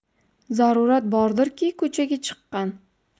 zarurat bordirki ko'chaga chiqqan